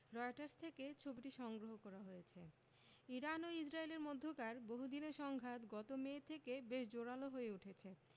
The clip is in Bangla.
রয়টার্স থেকে ছবিটি সংগ্রহ করা হয়েছে ইরান ও ইসরায়েলের মধ্যকার বহুদিনের সংঘাত গত মে থেকে বেশ জোরালো হয়ে উঠেছে